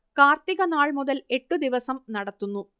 കാർത്തിക നാൾ മുതൽ എട്ടു ദിവസം നടത്തുന്നു